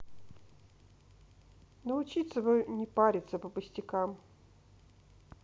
научиться бы не париться по пустякам